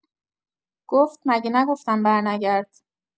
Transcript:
گفت مگه نگفتم برنگرد!